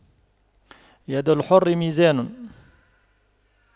يد الحر ميزان